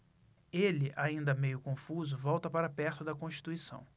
ele ainda meio confuso volta para perto de constituição